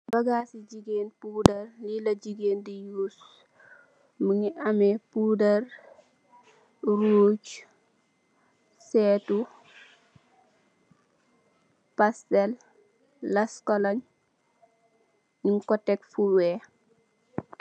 Bagas sey gigain puwdarr yila gigain d use Mungi ameh puwdarr, rugg, Setuu , pastel lesskoleng Mungko tek fu weih